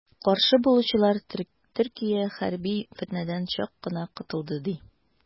Каршы булучылар, Төркия хәрби фетнәдән чак кына котылды, ди.